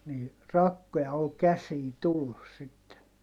niin rakkoja oli käsiin tullut sitten